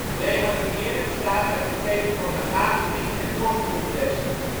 Reanimeren bestaat uit het geven van beademingen en borstcompressies